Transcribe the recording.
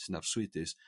sy'n arswydus.